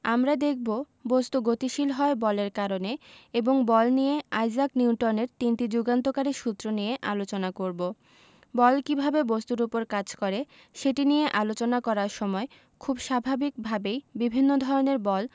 আমরা দেখব বস্তু গতিশীল হয় বলের কারণে এবং বল নিয়ে আইজাক নিউটনের তিনটি যুগান্তকারী সূত্র নিয়ে আলোচনা করব বল কীভাবে বস্তুর উপর কাজ করে সেটি নিয়ে আলোচনা করার সময় খুব স্বাভাবিকভাবেই বিভিন্ন ধরনের বল